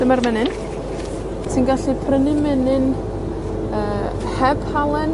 Dyma'r menyn. Ti'n gallu prynu menyn, yy heb halen.